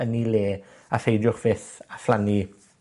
yn ei le, a pheidiwch fyth a phlannu